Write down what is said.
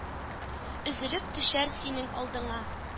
Өзелеп төшәр синең алдыңа.